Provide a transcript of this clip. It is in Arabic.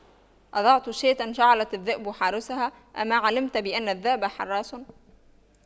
أضعت شاة جعلت الذئب حارسها أما علمت بأن الذئب حراس